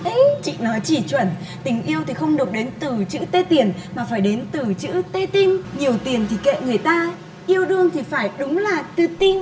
chị nói chỉ chuẩn tình yêu thì không được đến từ chữ tê tiền mà phải đến từ chữ tê tinh nhiều tiền thì kệ người ta yêu đương thì phải đúng là từ tinh